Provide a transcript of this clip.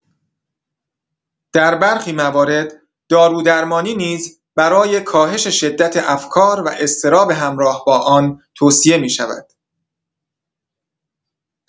در برخی موارد، دارودرمانی نیز برای کاهش شدت افکار و اضطراب همراه با آن توصیه می‌شود.